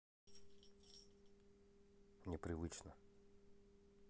непривычно